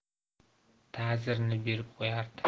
ta'zirini berib qo'yardi